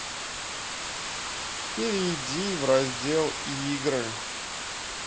перейди в раздел игры